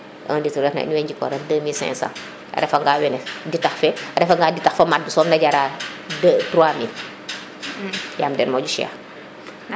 1 litre nu ref na in woy njikoran 2500 a refa nga wene ditax fe a refa nf=ga ditax fo mad som na jara 3000yanm den moƴu chére